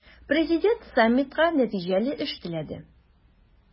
Президент саммитка нәтиҗәле эш теләде.